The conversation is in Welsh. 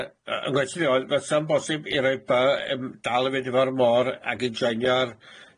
Ie yy y nghwestiwn i oedd fysa'n bosib i roi By yn dal i fynd efo'r môr ag enjoinio'r